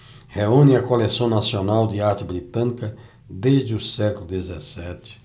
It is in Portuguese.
reúne a coleção nacional de arte britânica desde o século dezessete